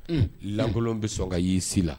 Kolon bɛ sɔn ka'i si la